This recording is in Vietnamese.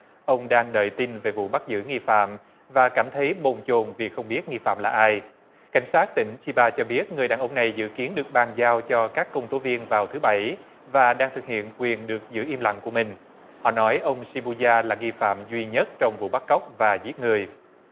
ông đang đợi tin về vụ bắt giữ nghi phạm và cảm thấy bồn chồn vì không biết nghi phạm là ai cảnh sát tỉnh chi ba cho biết người đàn ông này dự kiến được bàn giao cho các công tố viên vào thứ bảy và đang thực hiện quyền được giữ im lặng của mình họ nói ông si bu da là nghi phạm duy nhất trong vụ bắt cóc và giết người